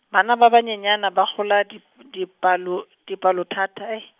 bana ba banyenyane ba ngola dip- dipalo- dipalothata .